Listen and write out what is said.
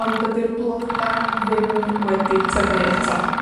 Ond dydi'r bloda' ddim wedi tyfu eto.